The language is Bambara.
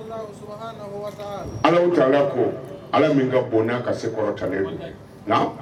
Ala taara ko ala min ka bonya ka se kɔrɔtalen